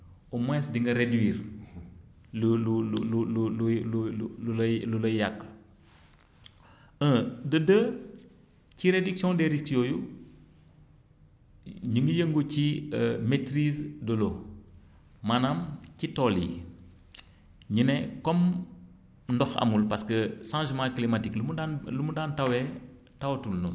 au moins di nga réduire lu lu lu lu lu lu lu lu lay lu lay yàq un de deux ci réduction des risques yooyu ñu ngi yëngu ci maitrise de l' eau maanaam ci tool yi ñu ne comme ndox amul parce que changement climatique lu mu daan lu mu daan tawee tawatul noonu